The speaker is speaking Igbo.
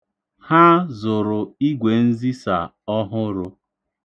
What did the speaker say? Ha zụrụ igwenzisa ọhụrụ.